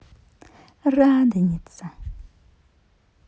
радоница